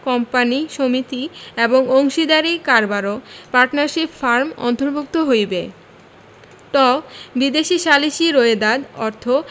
company সমিতি এবং অংশীদারী কারবারও পার্টনারশিপ ফার্ম অন্তর্ভুক্ত হইবে ট বিদেশী সালিসী রোয়েদাদ অর্থ